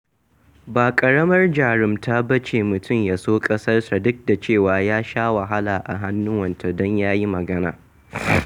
Ba ƙaramar jarumta ba ce mutum ya so ƙasarsa duk da cewa ya sha wahala a hannuwanta don ya yi magana.